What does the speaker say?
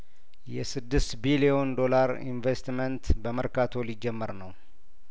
የስድስት ቢሊዮን ዶላር ኢንቨስትመንት በመርካቶ ሊጀመር ነው